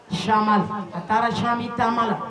Jamal , a taara Jami taam la.